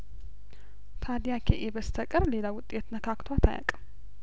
ታዲያ ከኤ በስተቀር ሌላ ውጤት ነካክቷት አያቅም